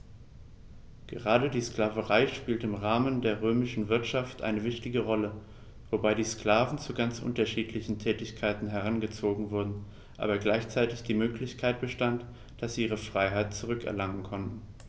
Gerade die Sklaverei spielte im Rahmen der römischen Wirtschaft eine wichtige Rolle, wobei die Sklaven zu ganz unterschiedlichen Tätigkeiten herangezogen wurden, aber gleichzeitig die Möglichkeit bestand, dass sie ihre Freiheit zurück erlangen konnten.